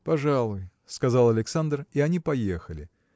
Пожалуй, – сказал Александр, и они поехали.